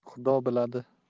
xudo biladi